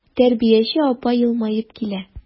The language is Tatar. Тәрбияче апа елмаеп килә.